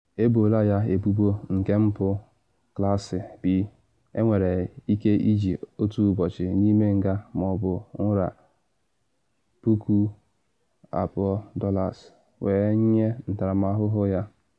Eboola ya ebubo nke mpụ Klaasị B, enwere ike iji otu ụbọchị n’ime nga ma ọ bụ nra $2,000 wee nye ntaramahụhụ ya.